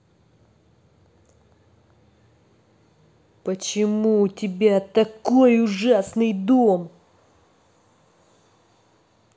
почему у тебя такой ужасный дом